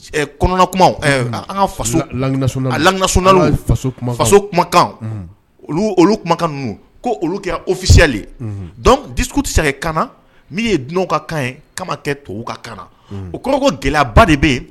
Kan kumakan kofisiyalen dusutusa kan min ye dunan ka kan ye ka kɛ tobabu ka kaana o kɔnɔ ko gɛlɛyaba de bɛ